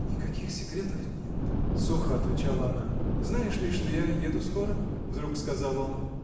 — Никаких секретов нет, — сухо отвечала она. — Знаешь ли, что я еду скоро? — вдруг сказал он.